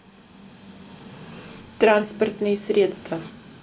транспортные средства